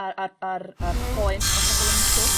A a a'r a'r poen ma' pobol yn mynd trw'.